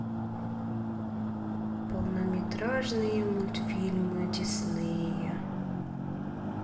полнометражные мультфильмы диснея